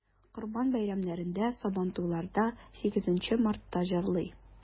Корбан бәйрәмнәрендә, Сабантуйларда, 8 Мартта җырлый.